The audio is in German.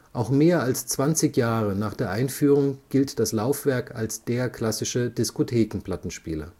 Auch mehr als 20 Jahre nach der Einführung gilt das Laufwerk als der klassische Discotheken-Plattenspieler